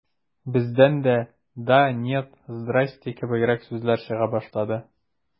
Бездән дә «да», «нет», «здрасте» кебегрәк сүзләр чыга башлады.